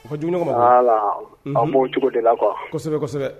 Ko dumuni ma an' cogo la